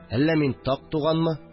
Әллә мин так туганмы